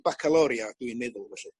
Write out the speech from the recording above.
bacaloria dwi'n meddwl felly.